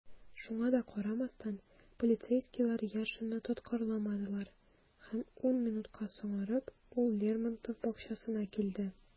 Шуңа да карамастан, полицейскийлар Яшинны тоткарламадылар - һәм ун минутка соңарып, ул Лермонтов бакчасына килде.